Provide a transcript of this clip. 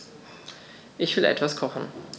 Ich will etwas kochen.